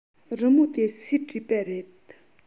རི མོ དེ སུས བྲིས པ རེད